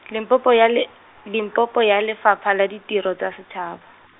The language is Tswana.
Limpopo ya le-, Limpopo ya Lefapha la Ditiro tsa Setshaba.